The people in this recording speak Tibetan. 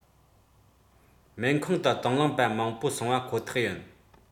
སྨན ཁང དུ དང བླངས པ མང པོ སོང བ ཁོ ཐག ཡིན